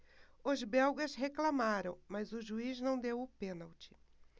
os belgas reclamaram mas o juiz não deu o pênalti